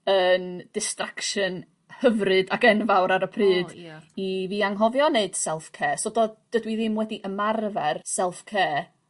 yn distraction hyfryd ac enfawr ar y pryd... O ia. ...i fi anghofio neud self care so do- dydw i ddim wedi ymarfer self care